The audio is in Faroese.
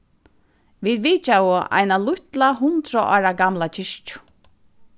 vit vitjaðu eina lítla hundrað ára gamla kirkju